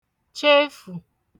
chefù